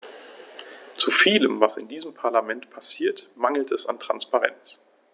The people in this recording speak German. Zu vielem, was in diesem Parlament passiert, mangelt es an Transparenz.